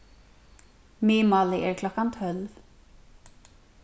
miðmáli er klokkan tólv